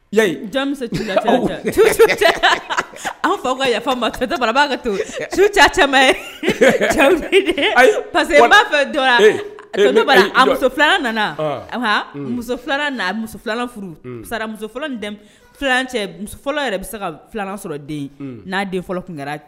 Yayi an fa ka yafa b ka pa que b'a fɛ muso filanan nana muso filanan muso filanan furu sara muso cɛ fɔlɔ yɛrɛ bɛ se ka filan sɔrɔ dena fɔlɔ